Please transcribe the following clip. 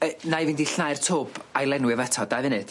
Yy nai fynd i llnau'r twb a'i lenwi efo eto, dau funud.